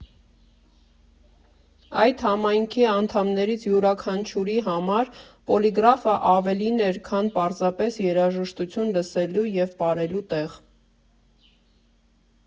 Այդ համայնքի անդամներից յուրաքանչյուրի համար Պոլիգրաֆը ավելին էր, քան պարզապես երաժշտություն լսելու և պարելու տեղ։